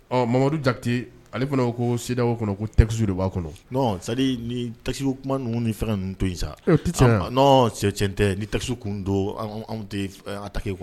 Ɔ mamadu jatete ale fana ko ko sira o kɔnɔ ko takisu de b'a kɔnɔ sa ni taki ninnu ni fɛn to in sa n cɛcɛn tɛ ni tasiw tun don anw tɛ take kuwa